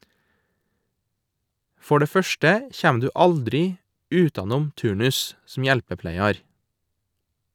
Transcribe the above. For det første kjem du aldri utanom turnus - som hjelpepleiar.